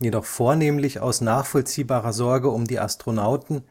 jedoch vornehmlich aus nachvollziehbarer Sorge um die Astronauten